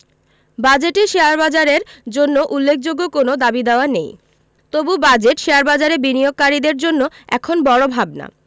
বাজেটে শেয়ারবাজারের জন্য উল্লেখযোগ্য কোনো দাবিদাওয়া নেই তবু বাজেট শেয়ারবাজারে বিনিয়োগকারীদের জন্য এখন বড় ভাবনা